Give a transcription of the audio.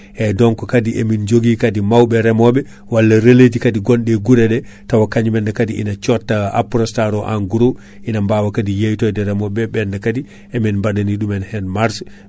eyyi donc emin joogui kaadi mawɓe reemoɓe walla relais kaadi gonɗi e guurée :fraɗe tawa kañum enne kaadi ne cotta Aprostar o en gros ina mbawa kaadi yeytoyde reemoɓeɓe ɓenne kaadi hemin baɗani ɗum hen marge